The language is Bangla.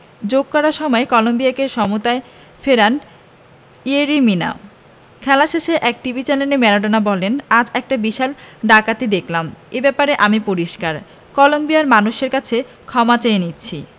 যোগ করা সময়ে কলম্বিয়াকে সমতায় ফেরান ইয়েরি মিনা খেলা শেষে এক টিভি চ্যানেলে ম্যারাডোনা বলেন আজ একটা বিশাল ডাকাতি দেখলাম এ ব্যাপারে আমি পরিষ্কার কলম্বিয়ার মানুষের কাছে ক্ষমা চেয়ে নিচ্ছি